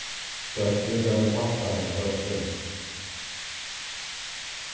dóttirin bað meg kasta henni bóltin